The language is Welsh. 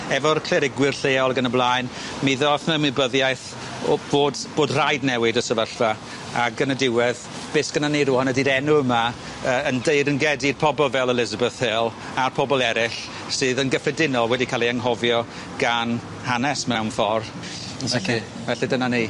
efo'r clerigwyr lleol ag yn y blaen mi ddath 'na ymwybyddiaeth o fod bod rhaid newid y sefyllfa ag yn y diwedd beth sgynnon ni rŵan ydi'r enw yma yy yn deyrnged i'r pobol fel Elizabeth Hill a'r pobl eryll sydd yn gyffredinol wedi ca'l eu anghofio gan hanes mewn ffor'. Yn Sicir. Felly dyna ni.